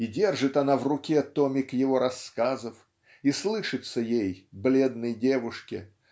и держит она в руке томик его рассказов и слышится ей бледной девушке